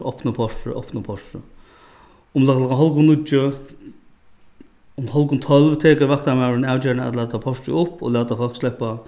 opnið portrið opnið portrið hálvgum níggju um hálvgum tólv tekur vaktarmaðurin avgerðina at lata portrið upp og lata fólk sleppa